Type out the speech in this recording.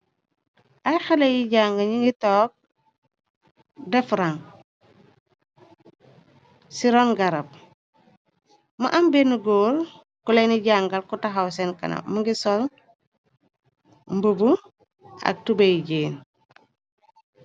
Ay xale yi jàng ñi ngi toog defrang si rongarab mu am benn góor ko leyni jangal ko taxaw seen kana mu ngi sol mbëbu ak tubey jéen.